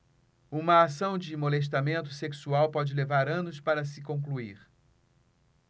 uma ação de molestamento sexual pode levar anos para se concluir